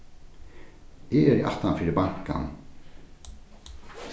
eg eri aftan fyri bankan